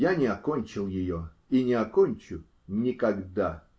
Я не окончил ее и не окончу никогда!